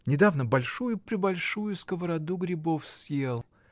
Недавно большую-пребольшую сковороду грибов съел!